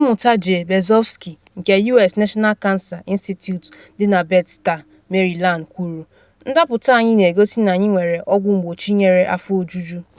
Ọkammụta Jay Berzofsky nke US National Cancer Institute dị na Bethesda Maryland, kwuru: “Ndapụta anyị na-egosi na anyị nwere ọgwụ mgbochi nyere afọ ojuju.”